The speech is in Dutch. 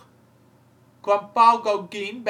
kwam Paul Gauguin bij